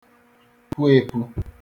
pu ēpū